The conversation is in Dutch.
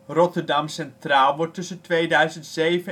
Rotterdam Centraal wordt tussen 2007